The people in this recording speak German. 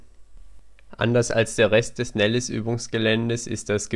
Anders als der Rest des Nellis-Übungsgeländes, ist das Gelände